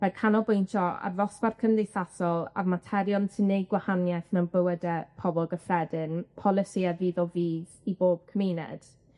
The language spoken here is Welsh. Rhaid canolbwyntio ar ddosbarth cymdeithasol a'r materion sy'n neud gwahanieth mewn bywyde pobol gyffredin, polisïe fydd o fudd i bob cymuned,